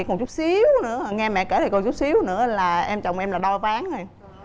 một chút xíu nữa nghe mẹ kể là còn chút xíu nữa là em chồng em là đo ván rồi